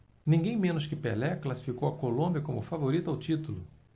ninguém menos que pelé classificou a colômbia como favorita ao título